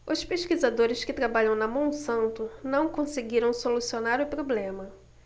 os pesquisadores que trabalham na monsanto não conseguiram solucionar o problema